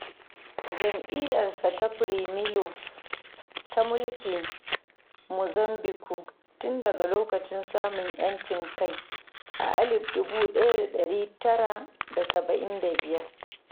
Jam'iyyarsa ta Fremilo ta mulki Mozambique tun daga lokacin samun 'yancin kai a 1975.